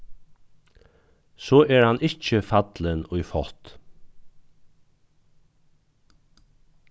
so er hann ikki fallin í fátt